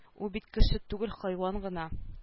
Ул бит кеше түгел хайван гына